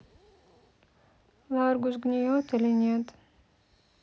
ларгус гниет или нет